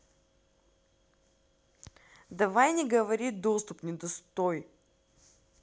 давай не говори доступ недостой